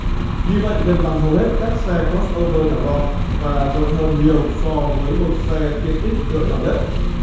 như vậy gần bằng hầu hết các xe cờ rót âu vơ nhỏ gọn và rộng hơn nhiều so với một xe tiện ích cỡ nhỏ nhất